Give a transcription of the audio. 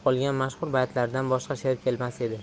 qolgan mashhur baytlardan boshqa sher kelmas edi